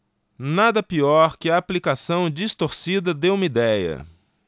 nada pior que a aplicação distorcida de uma idéia